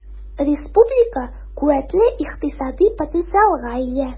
Республика куәтле икътисади потенциалга ия.